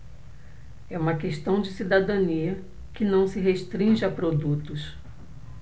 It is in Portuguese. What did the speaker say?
é uma questão de cidadania que não se restringe a produtos